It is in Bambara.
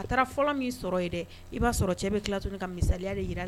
A taara fɔlɔ min sɔrɔ dɛ i'a sɔrɔ cɛ bɛ ki tilat ka misaliya yɛrɛ jira